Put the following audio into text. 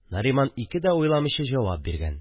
Нариман ике дә уйламыйча җавап биргән